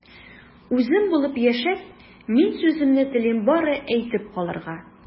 Үзем булып яшәп, мин сүземне телим бары әйтеп калырга...